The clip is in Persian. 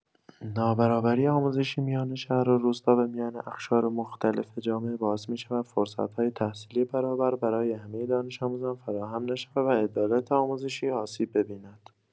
نابرابری آموزشی میان شهر و روستا و میان اقشار مختلف جامعه باعث می‌شود فرصت‌های تحصیلی برابر برای همه دانش‌آموزان فراهم نشود و عدالت آموزشی آسیب ببیند.